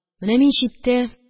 Менә мин читтә